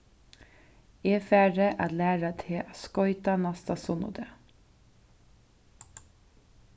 eg fari at læra teg at skoyta næsta sunnudag